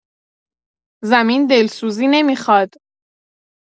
زمین دلسوزی نمی‌خواد.